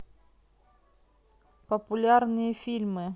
популярные фильмы